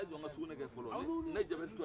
a y'a jɔ n ka sugunɛ kɛ fɔlɔ ne ye jabɛtitɔ ye